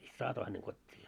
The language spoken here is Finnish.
sitten saatoin hänet kotiin ja